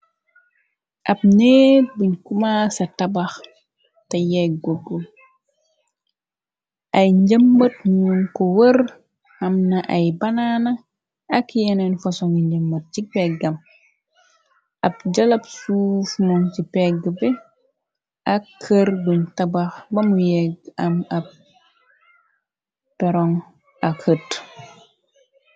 Ab nèeg bun kumasè tabah tè yègagut. Ay njamat nung ko wërr, amna ay banana ak yenen fasungi njamat ci pègam. Ab jalap suuf mung chi pèg bi ak kër goun tabah bam yègg am ab pèron ak hatt.